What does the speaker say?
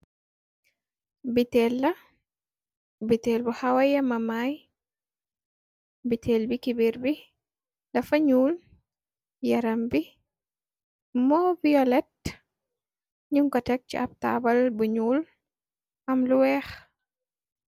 Buteel la, bu xawa yemamaay, buteel bi, kubeer bi dafa ñuul, yaram bi moo "violet" ñuñ ko teg ci ab taabal bu ñuul am lu weex.